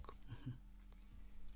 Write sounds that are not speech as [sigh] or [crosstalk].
[hesitation] [hesitation]